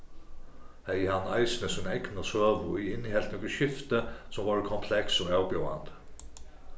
hevði hann eisini sína egnu søgu ið innihelt nøkur skifti sum vóru kompleks og avbjóðandi